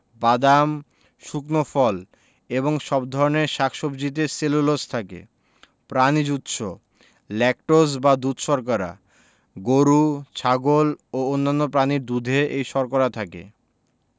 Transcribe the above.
বাদাম শুকনো ফল এবং সব ধরনের শাক সবজিতে সেলুলোজ থাকে প্রানিজ উৎস ল্যাকটোজ বা দুধ শর্করা গরু ছাগল এবং অন্যান্য প্রাণীর দুধে এই শর্করা থাকে